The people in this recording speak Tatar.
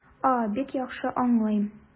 А, бик яхшы аңлыйм.